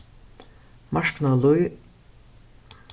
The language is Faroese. marknalíð